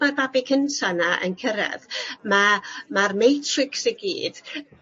ma' babi cynta 'na yn cyrredd ma' ma'r matrics i gyd